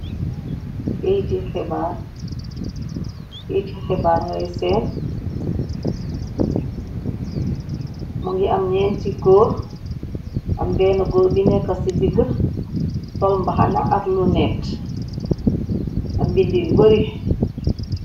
Kayetu heebar, kayetu heebar ngè senn, mungi am nènti gòor, am benn gòor bu nekka ci diga sol mbahana ak lunèt. Am bindi yu bari.